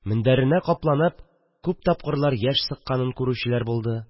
Мендәренә капланып күп тапкырлар яшь сыкканын күрүчеләр булды